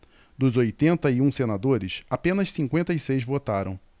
dos oitenta e um senadores apenas cinquenta e seis votaram